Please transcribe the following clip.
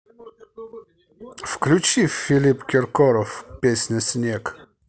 включи филипп киркоров песня снег